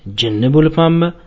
jinni bo'libmanmi